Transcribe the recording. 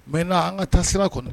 Mɛ n' an ka taa sira kɔnɔ